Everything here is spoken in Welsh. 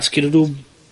Sgennon nw'm